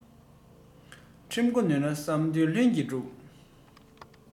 ཁྲིམས འགོ ནོན ན བསམ དོན ལྷུན གྱིས འགྲུབ